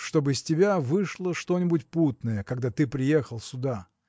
чтоб из тебя вышло что-нибудь путное когда ты приехал сюда.